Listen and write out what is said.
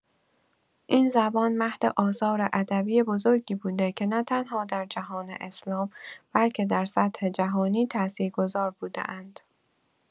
این زبان مهد آثار ادبی بزرگی بوده که نه‌تنها در جهان اسلام بلکه در سطح جهانی تأثیرگذار بوده‌اند.